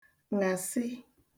ṅàsị